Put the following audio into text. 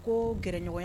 Ko gɲɔgɔn ye